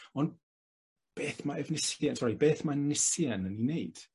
On' beth mae Efnisien... Sori beth mae Nisien yn 'i wneud?